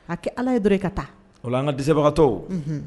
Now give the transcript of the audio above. A kɛ ala ye dɔrɔn i ka taa. O la an ka dɛsɛbagatɔw. Unhun